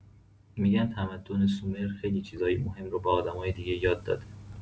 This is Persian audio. می‌گن تمدن سومر خیلی چیزای مهم رو به آدمای دیگه یاد داده.